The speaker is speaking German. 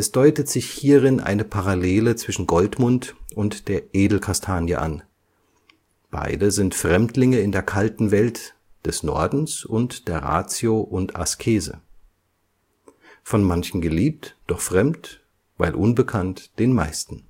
deutet sich hierin eine Parallele zwischen Goldmund und der Edelkastanie an: Beide sind Fremdlinge in der kalten Welt (des Nordens und der Ratio und Askese); von manchen geliebt, doch fremd - weil unbekannt - den meisten